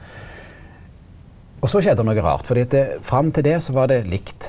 og så skjedde det noko rart fordi at fram til det så var det likt.